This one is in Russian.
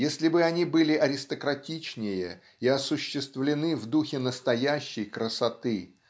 если бы они были аристократичнее и осуществлены в духе настоящей красоты